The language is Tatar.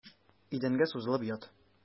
Идәнгә сузылып ят.